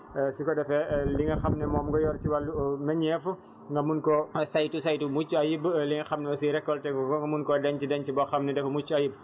ci wàllu taw yi ak li nga xam ne mooy njeexitalu nawet bi su ko defee li nga xam ne moom nga yor ci wàllu meññeef nga mën koo saytu saytu bu mucc ayib li nga xam ne aussi récolter goo ko